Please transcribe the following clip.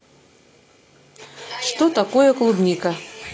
что такое клубника